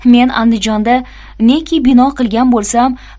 men andijonda neki bino qilgan bo'lsam